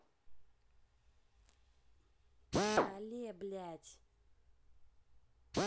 але блять